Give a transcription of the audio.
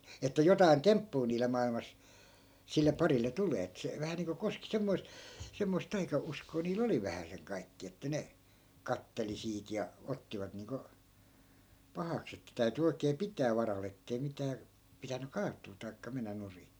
että jotakin temppua niille maailmassa sille parille tulee että se vähän niin kuin koski semmoista semmoista taikauskoa niillä oli vähäsen kaikkia että ne katseli siitä ja ottivat niin kuin pahaksi että täytyi oikein pitää varalla että ei mitään pitänyt kaatua tai mennä nurin